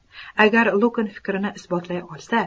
agar lukn fikrini isbotlay olsa